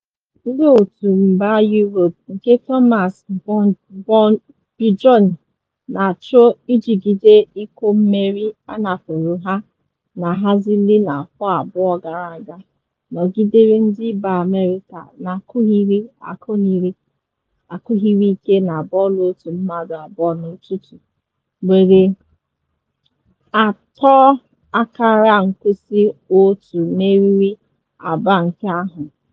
Ndị otu mba Europe nke Thomas Bjorn, na-achụ ijigide iko mmeri anapụrụ ha na Hazeline afọ abụọ gara aga, nọgidere ndị mba America na-akụgheri akụgheri ike na bọọlụ otu mmadụ abụọ n’ụtụtụ, were 3-1 merie agba nke ahụ.